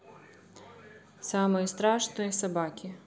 самые страшные собаки